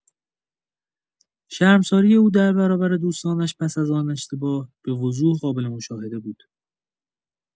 شرمساری او در برابر دوستانش پس از آن اشتباه به‌وضوح قابل‌مشاهده بود.